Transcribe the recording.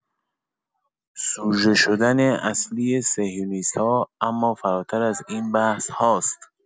سوژه شدن اصلی صهیونیست‌ها اما فراتر از این بحث هاست.